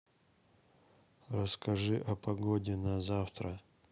расскажи о погоде на завтра